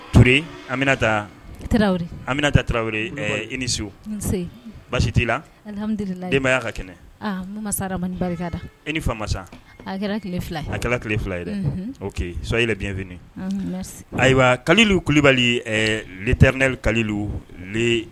Toure an bɛna an bɛna ta taraweleri i ni su baasi t' i la denbayayaa ka kɛnɛ e ni fa sa a a kɛra tilele fila ye dɛ o sa e yɛrɛ bif ayiwa kalililuli kulubali leterɛ kalilu le